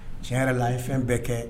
Tiɲɛ yɛrɛ la a ye fɛn bɛɛ kɛ